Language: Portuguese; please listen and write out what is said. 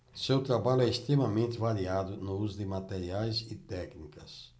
seu trabalho é extremamente variado no uso de materiais e técnicas